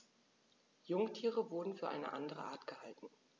Jungtiere wurden für eine andere Art gehalten.